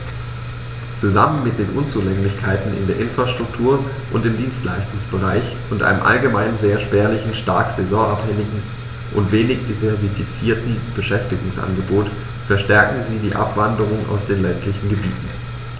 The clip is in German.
Zusammen mit den Unzulänglichkeiten in der Infrastruktur und im Dienstleistungsbereich und einem allgemein sehr spärlichen, stark saisonabhängigen und wenig diversifizierten Beschäftigungsangebot verstärken sie die Abwanderung aus den ländlichen Gebieten.